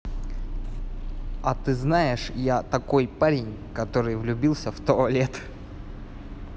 а ты знаешь я такой парень который влюбился в туалет